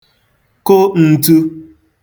kụ n̄tū